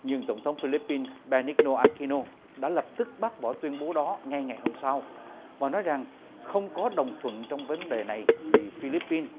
nhưng tổng thống phi líp pin ben ních nô a ki nô đã lập tức bác bỏ tuyên bố đó ngay ngày hôm sau và nói rằng không có đồng thuận trong vấn đề này vì phi líp pin